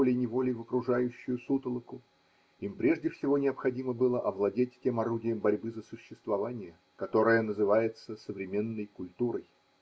волей-неволей, в окружающую сутолоку, им прежде всего необходимо было овладеть тем орудием борьбы за существование, которое называется современной культурой.